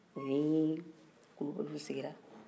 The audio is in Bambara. u ni kulubaliw sigira